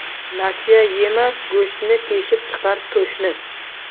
nasiya yema go'shtni teshib chiqar to'shni